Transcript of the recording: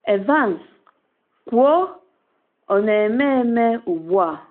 Evans: “Kwuo, ọ na-eme eme ugbu a!”